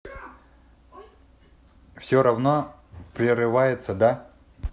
все равно прерывается да